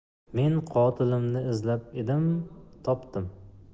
men qotilimni izlab edim topdim